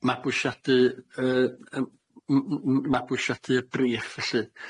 mabwysiadu yy yym m- m- m- mabwysiadu y briff, felly.